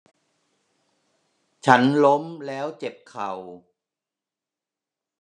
ฉันล้มแล้วเจ็บเข่า